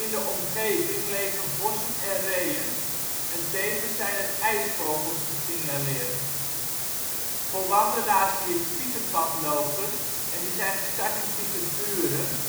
de omgeving leven vossen en reeën, en tevens zijn er ijsvogels gesignaleerd. Voor wandelaars die het Pieterpad lopen en die zijn gestart in Pieterburen